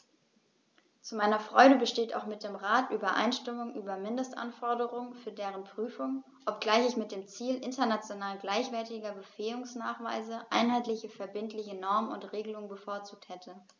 Zu meiner Freude besteht auch mit dem Rat Übereinstimmung über Mindestanforderungen für deren Prüfung, obgleich ich mit dem Ziel international gleichwertiger Befähigungsnachweise einheitliche verbindliche Normen und Regelungen bevorzugt hätte.